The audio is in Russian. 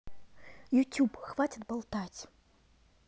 youtube хватит болтать